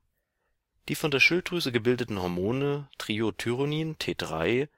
Die von der Schilddrüse gebildeten Hormone Triiodthyronin (T3